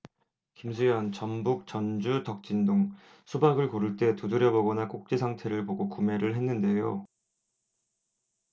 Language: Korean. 김수현 전북 전주 덕진동 수박을 고를 때 두드려보거나 꼭지 상태를 보고 구매를 했는데요